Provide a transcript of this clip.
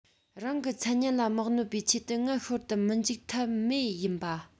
རང གི མཚན སྙན ལ མི གནོད པའི ཆེད དུ མངལ ཤོར དུ མི འཇུག ཐབས མེད ཡིན པ